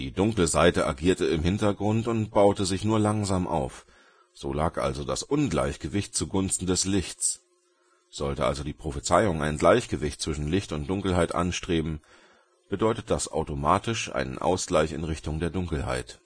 dunkle Seite agierte im Hintergrund und baute sich nur langsam auf, somit lag also das Ungleichgewicht zu Gunsten des Lichts. Sollte also die Prophezeiung ein Gleichgewicht zwischen Licht und Dunkelheit anstreben, bedeutet das automatische einen Ausgleich in Richtung der Dunkelheit